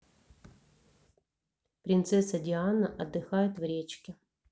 принцесса диана отдыхает в речке